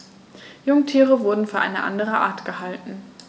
Jungtiere wurden für eine andere Art gehalten.